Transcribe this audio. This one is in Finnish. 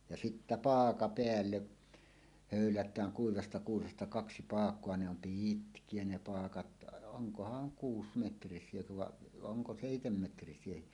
ja sitten paaka päälle höylätään kuivasta kuusesta kaksi paakaa ne on pitkiä ne paakat onkohan kuusimetrisiä vai onko seitsemänmetrisiäkin